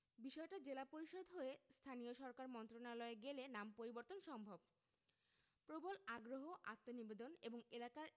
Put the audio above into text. বিষয়টা জেলা পরিষদ হয়ে স্থানীয় সরকার মন্ত্রণালয়ে গেলে নাম পরিবর্তন সম্ভব প্রবল আগ্রহ আত্মনিবেদন এবং এলাকার